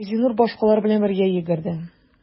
Газинур башкалар белән бергә йөгерде.